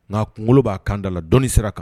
Na a kuŋolo b'a kan dala dɔni sira kan